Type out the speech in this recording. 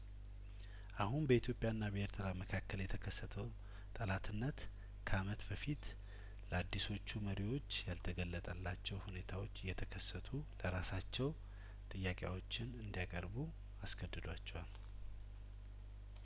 አሁን በኢትዮጵያ ና በኤርትራ መካከል የተከሰተው ጠላትነት ከአመት በፊት ለአዲሶቹ መሪዎች ያልተገለጠላቸው ሁኔታዎች እየተከሰቱ ለራሳቸው ጥያቄዎችን እንዲ ያቀርቡ አስገድዷቸዋል